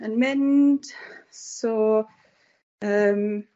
Yn mynd so yym.